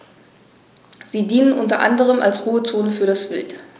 Sie dienen unter anderem als Ruhezonen für das Wild.